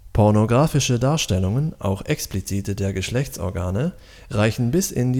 Pornografische “Darstellungen, auch explizite der Geschlechtsorgane reichen bis in